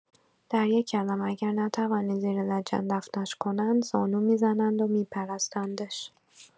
در یک کلمه، اگر نتوانید زیر لجن دفنش کنند زانو می‌زنند و می‌پرستندش.